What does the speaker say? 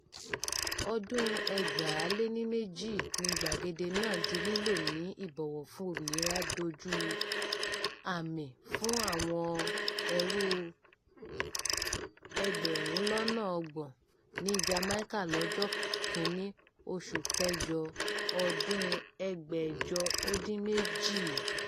Ọdún-un 2002 ni gbàgede náà di lílò ní ìbọ̀wọ̀ fún "òmìnira dójú àmì" fún àwọn ẹrú 300,000 ní Jamaica lọ́jọ́ 1, oṣù kẹjọ ọdún-un 1838.